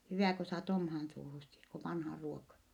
hyvä kun saat omaan suuhusi kun on vanha ruoka